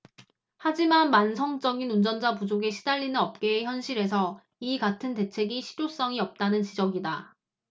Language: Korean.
하지만 만성적인 운전자 부족에 시달리는 업계의 현실에서 이 같은 대책이 실효성이 없다는 지적이다